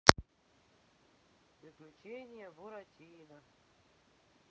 приключения буратино